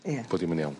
Ia. Po' dim yn iawn.